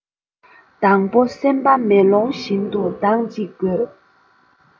དང པོ སེམས པ མེ ལོང བཞིན དུ དྭངས གཅིག དགོས